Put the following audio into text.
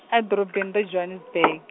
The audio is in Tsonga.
a dorobeni ra Johannesburg.